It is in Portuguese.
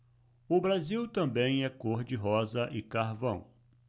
o brasil também é cor de rosa e carvão